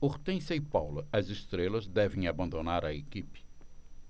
hortência e paula as estrelas devem abandonar a equipe